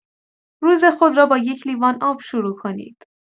روز خود را با یک لیوان آب شروع کنید.